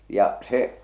ja se